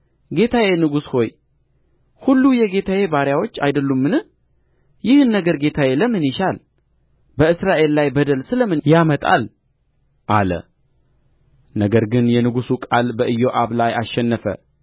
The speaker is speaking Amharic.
ጌታዬ ንጉሥ ሆይ ሁሉ የጌታዬ ባሪያዎች አይደሉምን ይህን ነገር ጌታዬ ለምን ይሻል በእስራኤል ላይ በደል ስለ ምን ያመጣል ነገር ግን የንጉሡ ቃል በኢዮአብ ላይ አሸነፈ